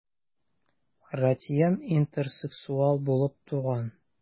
Ратьен интерсексуал булып туган.